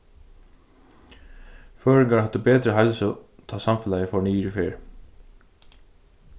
føroyingar høvdu betri heilsu tá samfelagið fór niður í ferð